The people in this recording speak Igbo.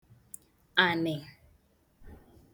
ànị̀